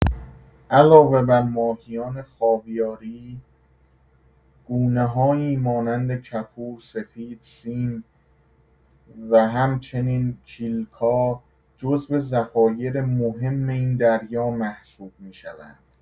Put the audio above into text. علاوه بر ماهیان خاویاری، گونه‌هایی مانند کپور، سفید، سیم و همچنین کیلکا جزو ذخایر مهم این دریا محسوب می‌شوند.